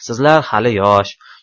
sizlar hali yosh